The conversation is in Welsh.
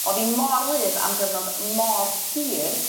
O'dd 'i mor wlyb am gyfnod mor hir